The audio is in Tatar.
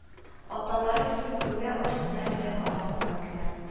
Аталары килеп керүгә ач күзләре белән аңар карадылар